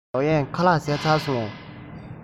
ཞའོ གཡན ཁ ལག བཟས སོང ངས